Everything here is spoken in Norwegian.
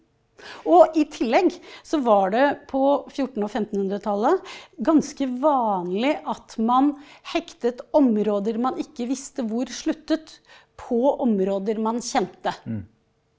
og i tillegg så var det på fjorten- og femtenhundretallet ganske vanlig at man hektet områder man ikke visste hvor sluttet på områder man kjente.